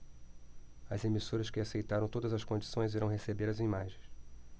as emissoras que aceitaram nossas condições irão receber as imagens